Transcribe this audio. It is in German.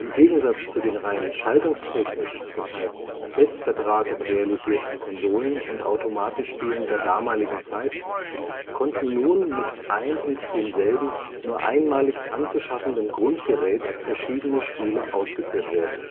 Gegensatz zu den rein schaltungstechnisch (festverdrahtet) realisierten Konsolen - und Automatenspielen der damaligen Zeit konnten nun mit ein und demselben, nur einmalig anzuschaffendem Grundgerät verschiedene Spiele ausgeführt werden